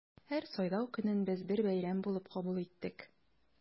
Һәр сайлау көнен без бер бәйрәм булып кабул иттек.